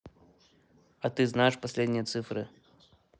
а ты знаешь последние цифры